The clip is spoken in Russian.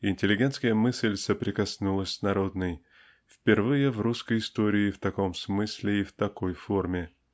интеллигентская мысль соприкоснулась с народной -- впервые в русской истории в таком смысле и в такой форме.